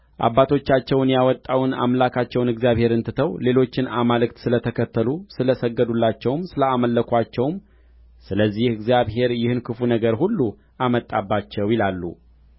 አባቶቻቸውን ያወጣውን አምላካቸውን እግዚአብሔርን ትተው ሌሎችንም አማልክት ስለ ተከተሉ ስለ ሰገዱላቸውም ስለ አመለኩአቸውም ስለዚህ እግዚአብሔር ይህን ክፉ ነገር ሁሉ አመጣባቸው ይላሉ